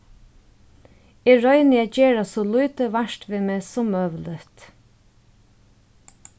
eg royni at gera so lítið vart við meg sum møguligt